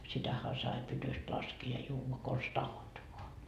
sitähän sai pytystä laskea ja juoda konsa tahdot vain